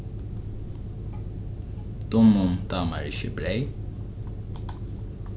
dunnum dámar ikki breyð